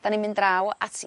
'dan ni'n mynd draw at...